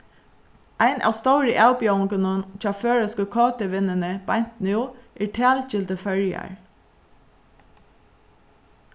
ein av stóru avbjóðingunum hjá føroysku kt-vinnuni beint nú er talgildu føroyar